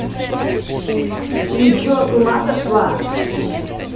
ты че с ума сошла